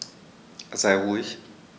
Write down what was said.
Sei ruhig.